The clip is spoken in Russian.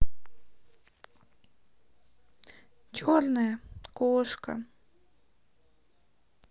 черная кошка